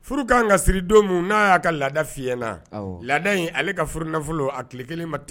Furu kaan ŋa siri don min n'a y'a ka laada f'i ɲɛna awɔ laada in ale ka furunafolo a tile 1 ma t